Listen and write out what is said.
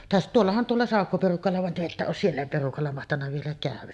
- tuollahan tuolla Saukko-perukalla vaan te että ole siellä perukalla mahtanut vielä käydä